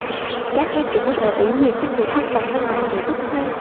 các em cũng có thể ủy quyền cho người thân bằng văn bản để rút thay